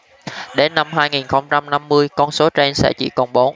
đến năm hai nghìn không trăm năm mươi con số trên sẽ chỉ còn bốn